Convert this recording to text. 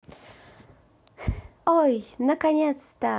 ой наконец то